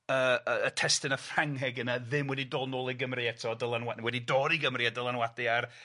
yy yy y testuna Ffrangeg yna ddim wedi dod nôl i Gymru eto a dylanwa- wedi dod i Gymru a dylanwadu ar